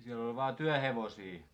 siellä oli vain työhevosia